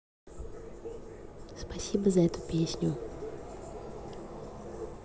спасибо за эту песню